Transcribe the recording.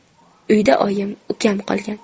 uyda oyim ukam qolgan